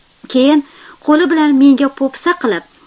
keyin qo'li bilan menga po'pisa qilib